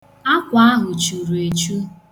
Akwa ahụ churu echu.